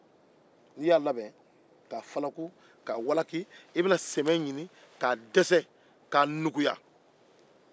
n'i y'a falaku i bɛ na sɛmɛ ɲini k'a dɛsɛ k'a nuguya